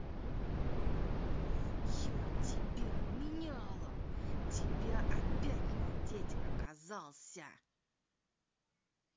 я тебя меняла тебя опять надеть оказался